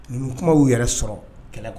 kumaw yɛrɛ sɔrɔ kɛlɛ kɔnɔ.